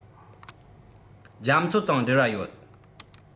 རྒྱ མཚོ དང འབྲེལ བ ཡོད